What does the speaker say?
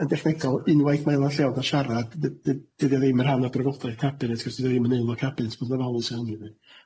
Yn yn dechnegol unwaith mae yna llewodd a siarad dy- dy- dy- dydi o ddim yn rhan o brofodau'r cabinet gos dydi o ddim yn neud fel cabinet bodd yn ofalus iawn iddi.